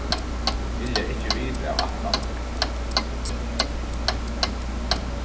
vilja ikki vita av ætlanini